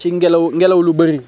ci ngelaw ngelaw lu bëri